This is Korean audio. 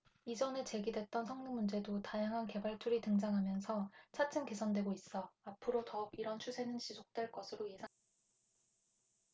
이전에 제기됐던 성능문제도 다양한 개발툴이 등장하면서 차츰 개선되고 있어 앞으로 더욱 이런 추세는 지속될 것으로 예상된다